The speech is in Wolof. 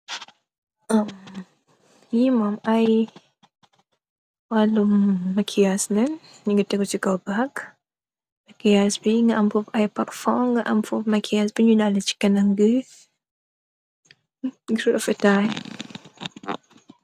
Li Mom aye waluh makiyass len nyungi teguh si kaw bag makiyass bi nga am fuf aye perfume nga am fuf makiyass bu nyuy lal si kanam gi si rafe taye